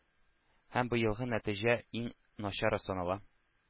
Һәм быелгы нәтиҗә иң начары санала.